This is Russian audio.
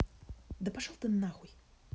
да пошел ты нахуй